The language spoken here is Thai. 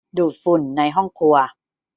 ดูดฝุ่นในห้องครัว